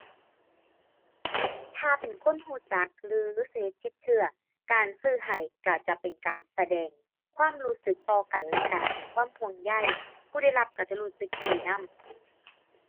ถ้าเป็นคนที่รู้จัก หรือสนิทชิดเชื้อ การซื้อให้รู้จะเป็นการแสดงความรู้สึกต่อกันและกันถึงความห่วงใย ผู้ได้รับรู้จะรู้สึกดีนำ